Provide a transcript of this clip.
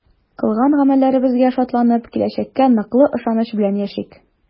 Кылган гамәлләребезгә шатланып, киләчәккә ныклы ышаныч белән яшик!